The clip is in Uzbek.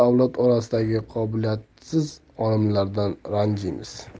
orasidagi qobiliyatsiz olimlardan ranjiymiz